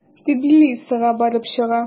Тбилисига барып чыга.